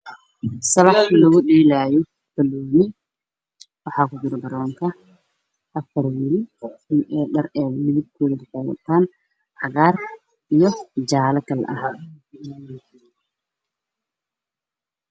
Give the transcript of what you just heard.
Salax lagu dheelayo banooni afar wiil ayaa dheelayayo